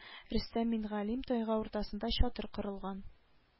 Рөстәм мингалим тайга уртасында чатыр корылган